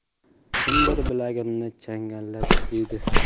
kimdir bilagimni changallab dedi